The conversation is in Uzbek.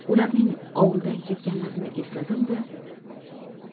ularning ovuldan ketganlarini esladim da